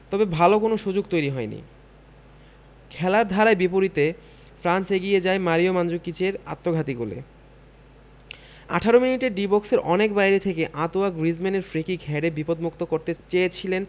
তবে ভালো কোনো সুযোগ তৈরি হয়নি খেলার ধারার বিপরীতে ফ্রান্স এগিয়ে যায় মারিও মানজুকিচের আত্মঘাতী গোলে ১৮ মিনিটে ডি বক্সের অনেক বাইরে থেকে আঁতোয়া গ্রিজমানের ফ্রিকিক হেডে বিপদমুক্ত করতে চেয়েছিলেন